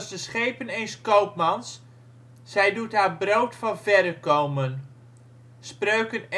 de schepen eens koopmans; zij doet haar brood van verre komen. (Spreuken